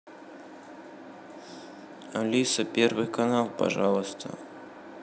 алиса первый канал пожалуйста